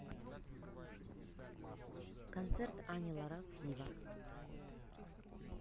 концерт ани лорак дива